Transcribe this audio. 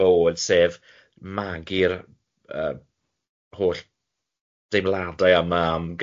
fod, sef magu'r yy holl deimlade yma am